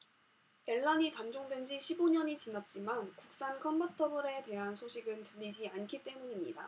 엘란이 단종된 지 십 오 년이 지났지만 국산 컨버터블에 대한 소식은 들리지 않기 때문입니다